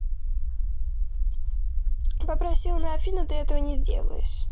попросил на афину ты этого не делаешь